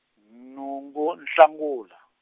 nhungu Nhlangula.